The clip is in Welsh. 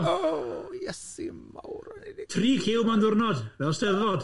O, Iesu mawr... Tri ciw mewn dwrnod, fel Steddfod!